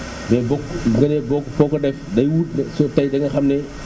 day bokk nga ne boo ko foo ko def day wut day tey da nga xam ne